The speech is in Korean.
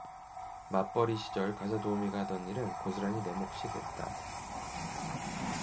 맞벌이 시절 가사도우미가 하던 일은 고스란히 내 몫이 됐다